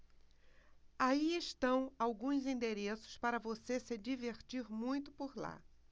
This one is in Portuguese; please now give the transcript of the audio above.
aí estão alguns endereços para você se divertir muito por lá